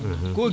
aha